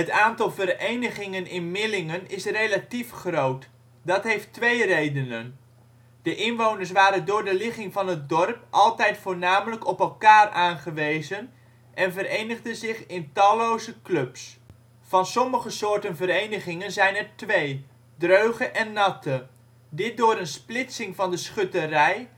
aantal verenigingen in Millingen is relatief groot. Dat heeft twee redenen: De inwoners waren door de ligging van het dorp altijd voornamelijk op elkaar aangewezen en verenigden zich in talloze clubs. Van sommige soorten verenigingen zijn er twee: Dröge en Natte. Dit door een splitsing van de schutterij